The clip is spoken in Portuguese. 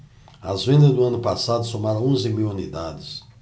as vendas no ano passado somaram onze mil unidades